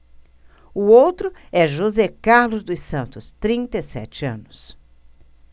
o outro é josé carlos dos santos trinta e sete anos